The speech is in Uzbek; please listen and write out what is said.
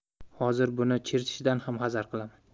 hozir buni chertishdan ham hazar qilaman